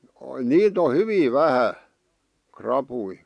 niitä on hyvin vähän rapuja